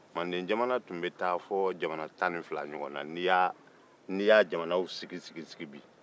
mandenjamana tun bɛ taa fo jamana ta ni fila ɲɔgɔn na n'i y'a jamanaw sigi-sigi bi